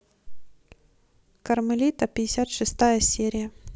кармелита пятьдесят шестая серия